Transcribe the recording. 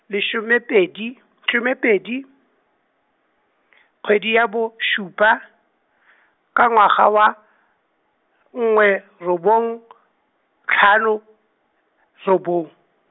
lesome pedi, somepedi , kgwedi ya bo supa, ka ngwaga wa, nngwe, robong , tlhano, robong.